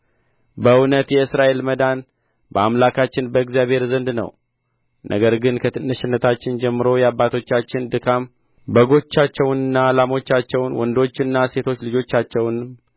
በእውነት የእስራኤል መዳን በአምላካችን በእግዚአብሔር ዘንድ ነው ነገር ግን ከትንሽነታችን ጀምሮ የአባቶቻችን ድካም በጎቻቸውንና ላሞቻቸውን ወንዶችና ሴቶች ልጆቻቸውንም